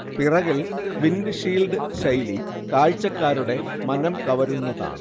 പിറകിൽ windshield ശൈലി കാഴ്ച്ചക്കാരുടെ മനംകവരുന്നതാണ്